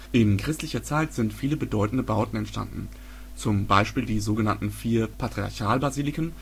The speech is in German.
In christlicher Zeit sind viele bedeutende Bauten entstanden, zum Beispiel die so genannten vier Patriarchalbasiliken